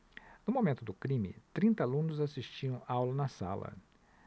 no momento do crime trinta alunos assistiam aula na sala